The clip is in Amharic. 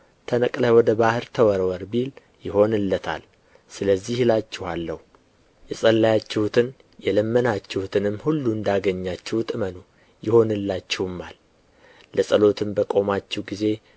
ተነቅለህ ወደ ባሕር ተወርወር ቢል ይሆንለታል ስለዚህ እላችኋለሁ የጸለያችሁትን የለመናችሁትንም ሁሉ እንዳገኛችሁት እመኑ ይሆንላችሁማል ለጸሎትም በቆማችሁ ጊዜ